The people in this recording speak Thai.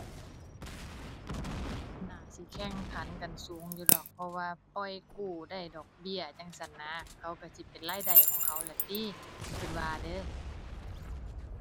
น่าสิแข่งขันกันสูงอยู่ดอก เพราะว่าปล่อยกู้ได้ดอกเบี้ยจั่งซั้นนะ เขาก็สิเป็นรายได้ของเขาล่ะติ ก็ว่าเด้อ